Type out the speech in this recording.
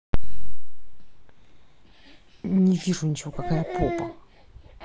не вижу ничего какая попа